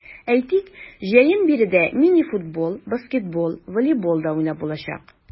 Әйтик, җәен биредә мини-футбол, баскетбол, волейбол да уйнап булачак.